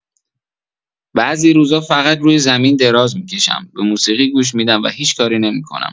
بعضی روزا فقط روی زمین دراز می‌کشم، به موسیقی گوش می‌دم و هیچ کاری نمی‌کنم.